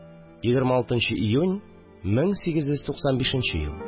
26 нчы июнь 1895 ел